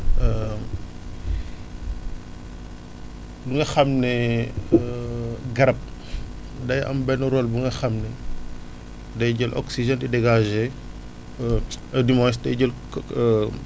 ni nga xam ne garab day am benn rôle bu nga xam ne day jël oxygène te day dégagé dis moins day jël